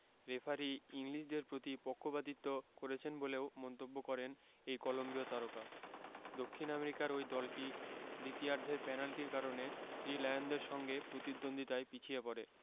referee ইংলিশদের প্রতি পক্ষিপাতিত্ব করেছেন বলেও মন্তব্য করেন এই কলম্বিয় তারকা দক্ষিণ আমেরিকার ওই দলটি দ্বিতীয়ার্ধের পেনাল্টির কারণে থ্রি লায়নদের সঙ্গে প্রতিদ্বন্দ্বিতায় পিছিয়ে পড়ে